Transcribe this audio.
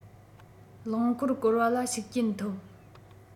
རློང འཁོར བསྐོར བ ལ ཤུགས རྐྱེན ཐོབ